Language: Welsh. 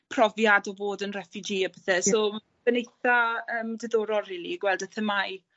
profiad o fod yn refugee a pethe so ma'n eitha yym diddorol rili gweld y themâu.